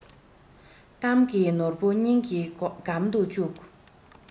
གཏམ གྱི ནོར བུ སྙིང གི སྒམ དུ བཅུག